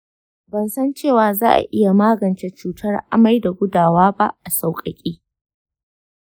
ban san cewa za'a iya magance cutar amai da gudawa ba a sauƙaƙe.